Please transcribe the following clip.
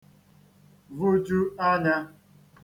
vuju ānyā